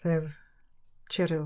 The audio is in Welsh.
Cheryl.